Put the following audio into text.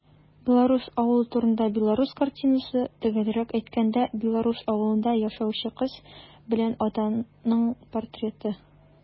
Белорус авылы турында белорус картинасы - төгәлрәк әйткәндә, белорус авылында яшәүче кыз белән атаның портреты.